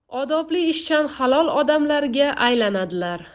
odobli ishchan halol odamlarga aylanadilar